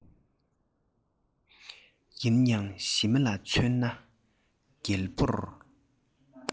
ཡིན ཡང ཞི མི ལ མཚོན ན རྒྱལ པོར